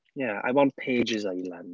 I want Paige's Island.